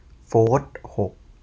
โฟธหก